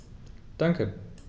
Danke.